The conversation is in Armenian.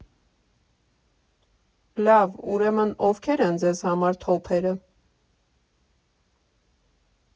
Լավ, ուրեմն ովքե՞ր են ձեզ համար թոփերը։